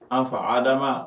An fa ha adama